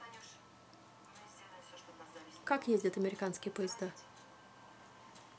как ездят американские поезда